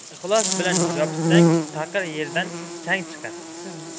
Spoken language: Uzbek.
ixlos bilan yopishsang taqir yerdan chang chiqar